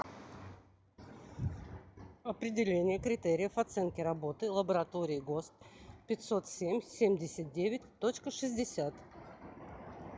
определение критериев оценки работы лаборатории гост пятьсот семь семьдесят девять точка шестьдесят